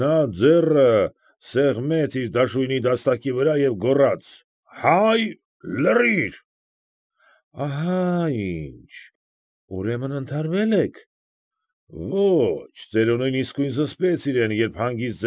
Նա ձեռը սեղմեց իր դաշույնի դաստակի վրա և գոռաց. «Հայ, լռի՜ր»։ ֊ Ահա ի՜նչ, ուրեմն ընդհարվե՞լ եք։ ֊ Ո՛չ, ծերունին իսկույն զսպեց իրեն, երբ, հանգիստ։